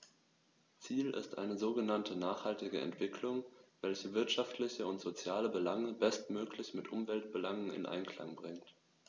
Ziel ist eine sogenannte nachhaltige Entwicklung, welche wirtschaftliche und soziale Belange bestmöglich mit Umweltbelangen in Einklang bringt.